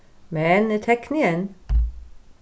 men eg tekni enn